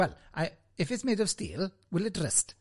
Well, I- if it's made of steel, will it rust?